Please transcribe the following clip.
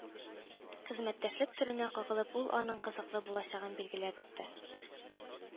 Хезмәттәшлек төренә кагылып, ул аның кызыклы булачагын билгеләп үтте